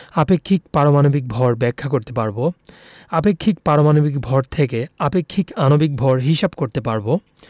আপেক্ষিক পারমাণবিক ভর ব্যাখ্যা করতে পারব আপেক্ষিক পারমাণবিক ভর থেকে আপেক্ষিক আণবিক ভর হিসাব করতে পারব